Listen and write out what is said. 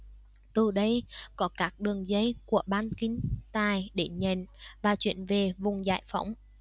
từ đây có các đường dây của ban kinh tài đến nhận và chuyển về vùng giải phóng